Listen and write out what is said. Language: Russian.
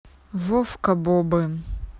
вовка бобы